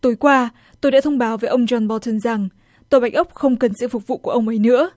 tối qua tôi đã thông báo với ông gion bo từn rằng tòa bạch ốc không cần sự phục vụ của ông ấy nữa